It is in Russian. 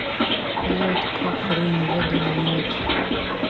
лодка крым водомет